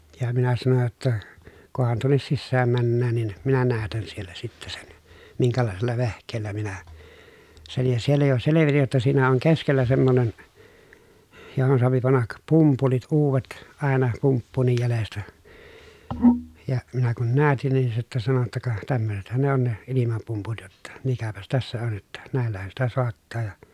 ja minä sanoin jotta kunhan tuonne sisään mennään niin minä näytän siellä sitten sen minkälaisella vehkeellä minä sen ja siellä jo selvitin jotta siinä on keskellä semmoinen johon saa panna pumpulit uudet aina pumppuunkin jäljestä ja minä kun näytin niin se sitten sanoi jotta ka tämmöisethän ne on ne ilmapumput jotta mikäpäs tässä on jotta näillähän sitä saattaa ja